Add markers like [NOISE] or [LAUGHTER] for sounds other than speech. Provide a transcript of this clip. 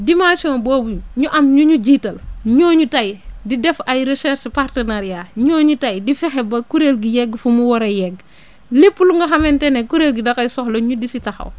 dimension boobu ñu am ñu ñu jiital ñooñu tey di def ay recherches partenariats ñooñu tey di fexe ba kuréel gi yegg fu mu war a yegg [BREATH] lépp lu nga xamante ne kuréel gi da koy soxla ñu di si taxaw